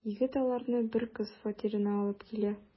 Егет аларны бер кыз фатирына алып килә.